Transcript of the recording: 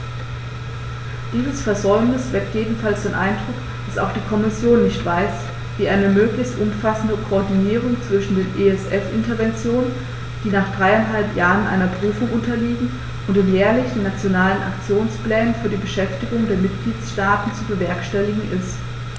Dieses Versäumnis weckt jedenfalls den Eindruck, dass auch die Kommission nicht weiß, wie eine möglichst umfassende Koordinierung zwischen den ESF-Interventionen, die nach dreieinhalb Jahren einer Prüfung unterliegen, und den jährlichen Nationalen Aktionsplänen für die Beschäftigung der Mitgliedstaaten zu bewerkstelligen ist.